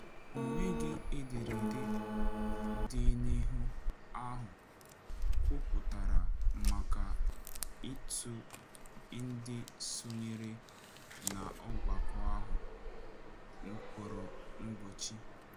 Ọ nweghị ederede dị n'iwu ahụ kwuputara maka ịtụ ndị sonyere na ọgbakọ ahụ mkpọrọ mgbochi.